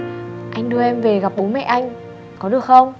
anh đưa em về gặp bố mẹ anh có được không